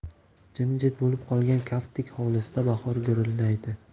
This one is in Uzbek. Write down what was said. jimjit bo'lib qolgan kaftdek hovlisida bahor gurullaydi